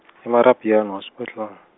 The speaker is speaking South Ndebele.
e- Marapyane Hospital.